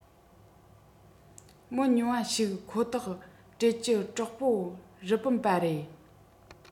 མི ཉུང བ ཞིག ཁོ ཐག སྤྲད ཀྱི གྲོགས པོ རི པིན པ རེད